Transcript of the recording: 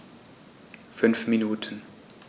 5 Minuten